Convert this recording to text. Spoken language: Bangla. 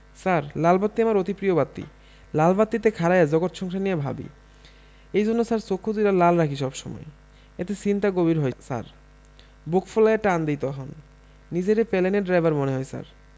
ছার লাল বাত্তি আমার অতি প্রিয় বাত্তি লাল বাত্তি তে খাড়ায়া জগৎ সংসার নিয়া ভাবি এইজন্য ছার চোক্ষু দুউডা লাল রাখি সব সময় এতে চিন্তা গভীর হয় ছার বুক ফুলায়া টান দেই তহন নিজেরে পেলেনের ড্রাইভার মনে হয় ছার.